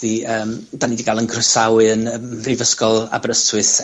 ...'di yym, 'dan ni 'di ga'l 'yn croesawu yn yym frifysgol Aberystwyth